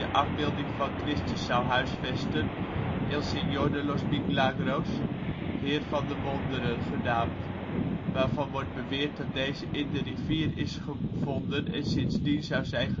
afbeelding van Christus zou huisvesten, El Señor de los Milagros (heer van de wonderen) genaamd waarvan wordt beweerd dat deze in de rivier is gevonden en sindsdien zou zijn gegroeid